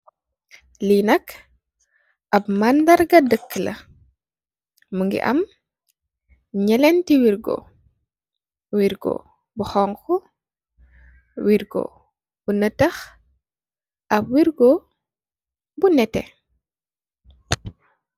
Li nak, ap mandar ga daka la. Mungi am nyenenti wirgo: wirgo bu honghu, wirgo bu netahh, ak wirgo bu neteh.